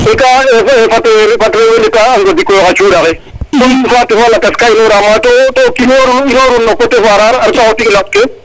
e ka fat rewe ndeta a ŋodiko yo xa cuɗa xe comme saate fa lakas ka inora ma to to o kin inoru o Farare a reta xotik laɓ ke